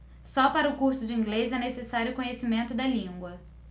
só para o curso de inglês é necessário conhecimento da língua